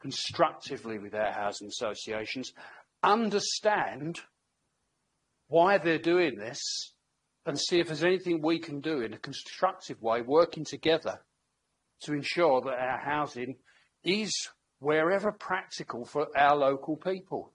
constructively with our housing associations, understand why they're doing this, and see if there's anything we can do in a constructive way working together to ensure that our housing is wherever practical for our local people.